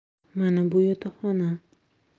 mana bu yotoqxona